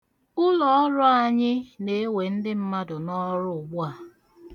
Ụlọọrụ anyị na-ewe ndị mmadụ n'ọrụ ugbu a.